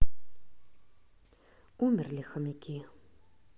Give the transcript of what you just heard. умерли хомяки